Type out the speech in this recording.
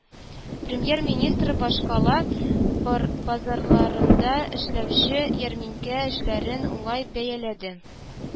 Премьер-министр башкала базарларында эшләүче ярминкә эшләрен уңай бәяләде